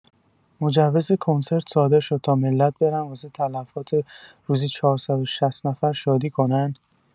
مجوز کنسرت صادر شد تا ملت برن واسه تلفات روزی ۴۶۰ نفر شادی کنن؟